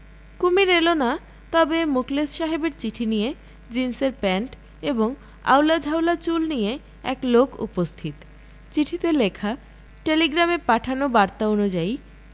কুমীর এল না তবে মুখলেস সাহেবের চিঠি নিয়ে জীনসের প্যান্ট এবং আউলা ঝাউলা চুল নিয়ে এক লোক উপস্থিত চিঠিতে লেখা টেলিগ্রামে পাঠানো বার্তা অনুযায়ী